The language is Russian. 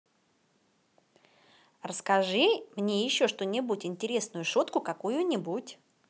расскажи мне еще что нибудь интересную шутку какую нибудь